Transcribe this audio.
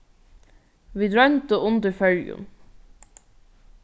vit royndu undir føroyum